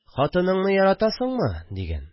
– хатыныңны яратасыңмы? – дигән